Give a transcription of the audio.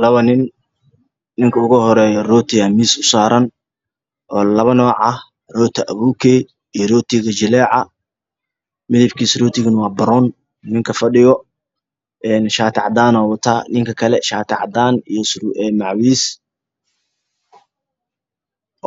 Waa rooti meel yaalo waxaa ag fadhiyo nin shaati cadaan ah